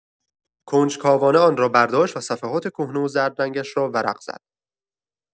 کنجکاوانه آن را برداشت و صفحات کهنه و زردرنگش را ورق زد.